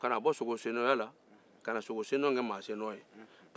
ka n'a bo sogosennɔya la ka n'a kɛ maa senno ye